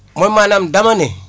moom maanaam dama ne